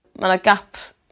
Ma' 'na gap